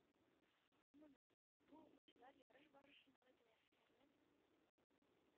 Гомумән, бу укучылар ярыш барышындагы тәнәфесләрне